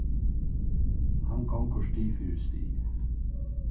hann gongur stig fyri stig